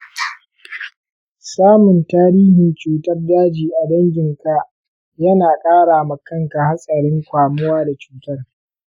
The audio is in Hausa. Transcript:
samun tarihin cutar daji a dangin ka yana kara ma kanka hatsarin kamuwa da cutar.